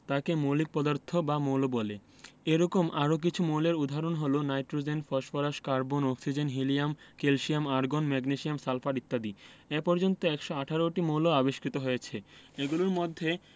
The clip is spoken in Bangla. তাকে মৌলিক পদার্থ বা মৌল বলে এরকম আরও কিছু মৌলের উদাহরণ হলো nitrogen phosphorus carbon oxygen helium calcium argon magnesium sulphur ইত্যাদি এ পর্যন্ত ১১৮টি মৌল আবিষ্কৃত হয়েছে এগুলোর মধ্যে